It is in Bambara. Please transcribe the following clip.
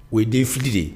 O ye denfi de ye